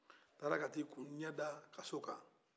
a taara ka ta a ɲɛ da kaso kan